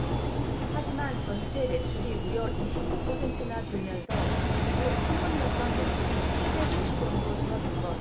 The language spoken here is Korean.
하지만 전체 매출이 무려 이십 오 퍼센트나 줄면서 기존 천 원이었던 매출이 칠백 오십 원으로 줄어든 것